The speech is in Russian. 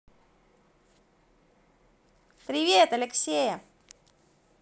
привет алексея